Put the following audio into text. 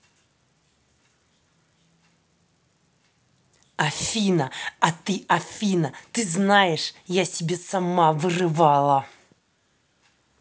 афина а ты афина ты знаешь я себе сама вырывала